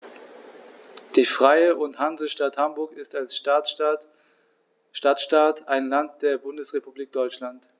Die Freie und Hansestadt Hamburg ist als Stadtstaat ein Land der Bundesrepublik Deutschland.